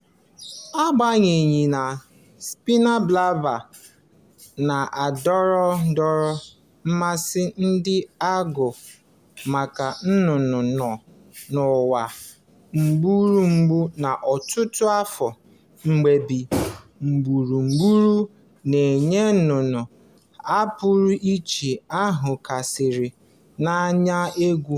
Agbanyeghị na Spiny Blabbler na-adọrọ mmasị ndị na-agụ maka nnụnụ nọ n'ụwa gburugburu n'ọtụtụ afọ, mmebi gburugburu na-eyi nnụnụ a pụrụ iche a hụkarịsịrị n'anya egwu.